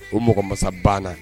O mɔgɔ mansa banna